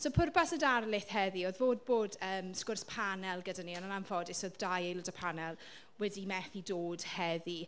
So pwrpas y darlith heddi oedd fod bod yym sgwrs panel gyda ni ond yn anffodus oedd dau aelod y panel wedi methu dod heddi.